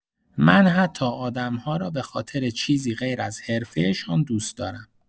من حتی آدم‌ها را به‌خاطر چیزی غیراز حرفه‌شان دوست دارم.